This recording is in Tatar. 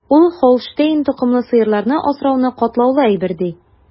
Ул Һолштейн токымлы сыерларны асрауны катлаулы әйбер, ди.